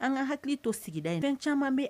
An ka hakili to sigida fɛn caman bɛ